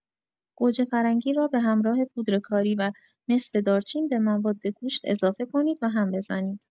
گوجه‌فرنگی را به همراه پودر کاری و نصف دارچین به مواد گوشت اضافه کنید و هم بزنید.